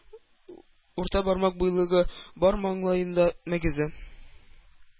Урта бармак буйлыгы бар маңлаенда мөгезе.